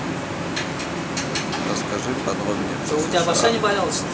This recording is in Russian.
расскажи подробнее про сша